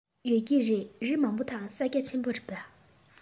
ཡོད ཀྱི རེད རི མང པོ དང ས རྒྱ ཆེན པོ རེད པ